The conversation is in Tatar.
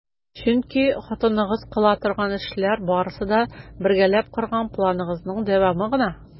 Чөнки хатыныгыз кыла торган эшләр барысы да - бергәләп корган планыгызның дәвамы гына!